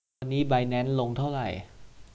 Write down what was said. วันนี้ไบแนนซ์ลงเท่าไหร่